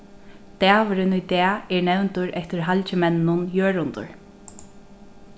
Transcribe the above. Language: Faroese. dagurin í dag er nevndur eftir halgimenninum jørundur